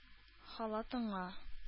Халатыңа